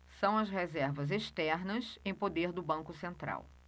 são as reservas externas em poder do banco central